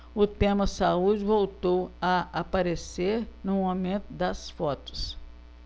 o tema saúde voltou a aparecer no momento das fotos